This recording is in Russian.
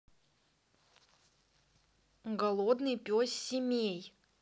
голодный пес семей